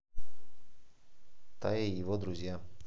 taya и его друзья